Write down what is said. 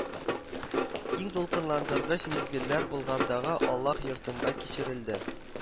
Иң дулкынландыргыч мизгелләр Болгардагы Аллаһ йортында кичерелде